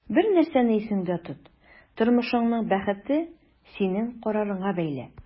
Бер нәрсәне исеңдә тот: тормышыңның бәхете синең карарыңа бәйле.